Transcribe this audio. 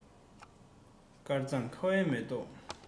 དཀར གཙང ཁ བའི མེ ཏོག